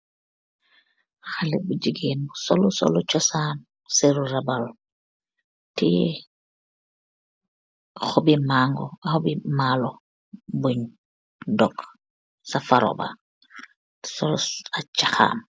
Haleh bu jigeen bu solu solu chosan sehru rabal tiyeh kobi malo bung dock sah faroba ,sol ak chakam.